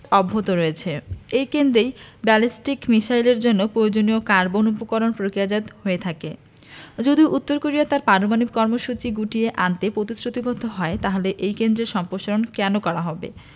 অব্যাহত রয়েছে এই কেন্দ্রেই ব্যালিস্টিক মিসাইলের জন্য প্রয়োজনীয় কার্বন উপকরণ প্রক্রিয়াজাত হয়ে থাকে যদি উত্তর কোরিয়া তার পারমাণবিক কর্মসূচি গুটিয়ে আনতে প্রতিশ্রুতিবদ্ধ হয় তাহলে এই কেন্দ্রের সম্প্রসারণ কেন করা হবে